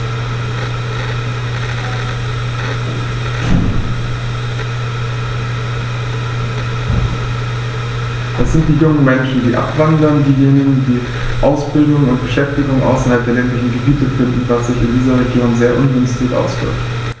Es sind die jungen Menschen, die abwandern, diejenigen, die Ausbildung und Beschäftigung außerhalb der ländlichen Gebiete finden, was sich in diesen Regionen sehr ungünstig auswirkt.